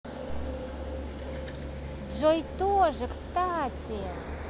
джой тоже кстати